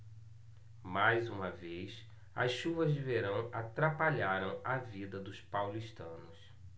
mais uma vez as chuvas de verão atrapalharam a vida dos paulistanos